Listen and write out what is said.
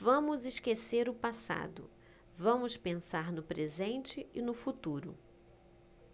vamos esquecer o passado vamos pensar no presente e no futuro